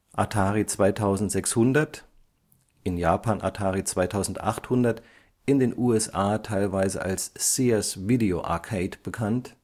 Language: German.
Atari 2600 (in Japan Atari 2800, in den USA teilweise als Sears Video-Arcade bekannt